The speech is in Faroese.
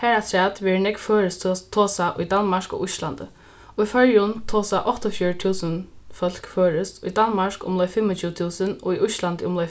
harafturat verður nógv føroyskt tosað í danmark og íslandi og í føroyum tosa áttaogfjøruti túsund fólk føroyskt í danmark umleið fimmogtjúgu túsund og í íslandi umleið